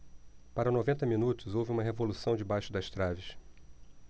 para noventa minutos houve uma revolução debaixo das traves